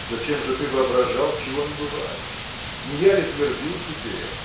– Зачем же ты воображал, чего не бывает? Не я ли твердил тебе